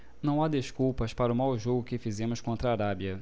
não há desculpas para o mau jogo que fizemos contra a arábia